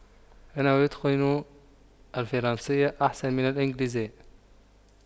انه يتقن الفرنسية أحسن من الإنكليزية